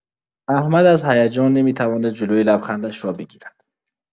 احمد از هیجان نمی‌توانست جلوی لبخندش را بگیرد.